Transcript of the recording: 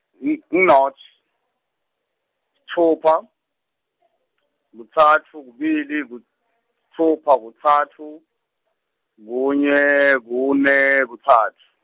nought, sitfupha , kutsatfu kubili ku sitfupha kutsatfu, kunye, kune, kutsatfu.